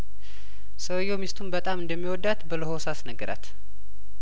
ሰውዬው ሚስቱን በጣም እንደሚወዳት በለሆሳ ስነገራት